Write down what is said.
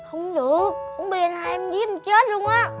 không được uống bia anh hai em giết em chết luôn á